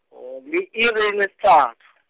oh, li-iri lesithathu .